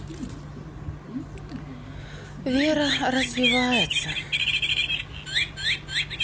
вера развивается